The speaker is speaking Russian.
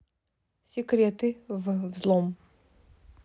секреты в взлом